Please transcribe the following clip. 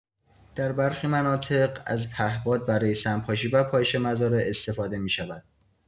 در برخی مناطق از پهپاد برای سم‌پاشی و پایش مزارع استفاده می‌شود.